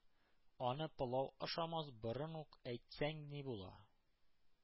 Аны пылау ашамас борын ук әйтсәң ни була!